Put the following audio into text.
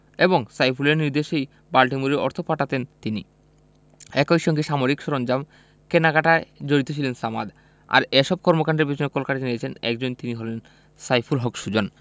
এবং সাইফুলের নির্দেশেই বাল্টিমোরে অর্থ পাঠাতেন তিনি একই সঙ্গে সামরিক সরঞ্জাম কেনাকাটায় জড়িত ছিলেন সামাদ আর এসব কর্মকাণ্ডের পেছনে কলকাঠি নেড়েছেন একজনই তিনি হলেন সাইফুল হক সুজন